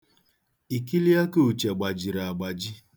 Ikiliaka Uche gbajiri agbaji.